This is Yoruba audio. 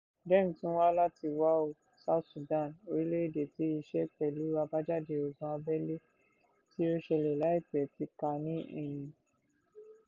Deng tún wá láti Wau, South Sudan, orílẹ̀-èdè tí ìṣẹ́ pẹ̀lú àbájáde ogun abẹ́lé tí ó ṣẹlẹ̀ láìpẹ́ ti ká ní eyín.